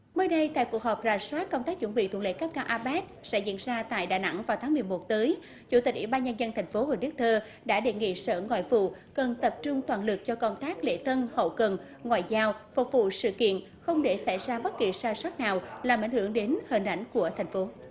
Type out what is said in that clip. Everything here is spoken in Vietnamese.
mới đây tại cuộc họp rà soát công tác chuẩn bị tuần lễ cấp cao a péc sẽ diễn ra tại đà nẵng vào tháng mười một tới chủ tịch ủy ban nhân dân thành phố huỳnh đức thơ đã đề nghị sở ngoại vụ cần tập trung toàn lực cho công tác lễ tân hậu cần ngoại giao phục vụ sự kiện không để xảy ra bất kỳ sai sót nào làm ảnh hưởng đến hình ảnh của thành phố